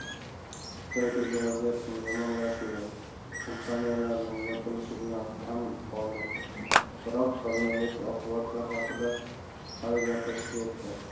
xitoydagi vaziyatning yomonlashuvi kompaniyalarning yopilishi bilan ham bog'liq biroq koronavirus oqibatlari haqida hali gapirishga erta